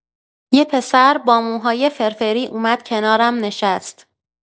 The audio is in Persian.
یه پسر با موهای فرفری اومد کنارم نشست.